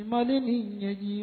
Manden min jatigiji